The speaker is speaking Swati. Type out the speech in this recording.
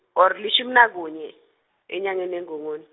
orr- lishumi nakunye, enyangeni yeNgongoni.